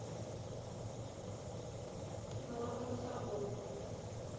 норман собор